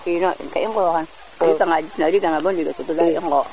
ka i ngoxan i ƴuta nga ƴuyt dal bo njeg